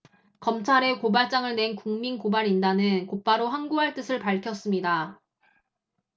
검찰에 고발장을 낸 국민고발인단은 곧바로 항고할 뜻을 밝혔습니다